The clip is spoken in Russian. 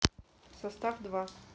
состав два